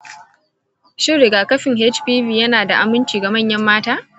shin rigakafin hpv yana da aminci ga manyan mata?